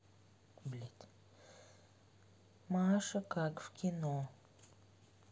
маша как в кино